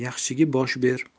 yaxshiga bosh ber